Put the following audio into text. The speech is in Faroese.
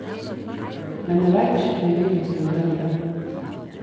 men eg veit ikki hvønn lit vit skulu velja